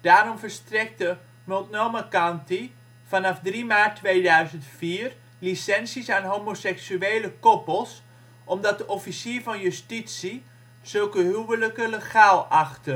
Daarom verstrekte Multnomah County vanaf 3 maart 2004 licenties aan homoseksuele koppels, omdat de officier van Justitie zulke huwelijken legaal achtte